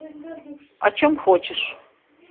о чем хочешь